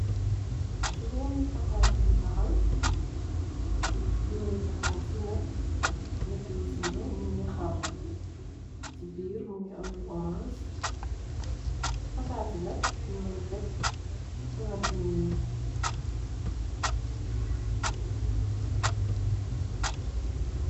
Juroomi pataat yun baxal, juroomi pataat ye nak, nyate yi si nyom nyingi xar, si biir mingi am lu oras, pataat yi nak nyun len tek si palat bu nyuul.